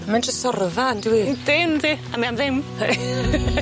Ma' fe'n trysorfa yndyw 'i? Yndi yndi a mae am ddim.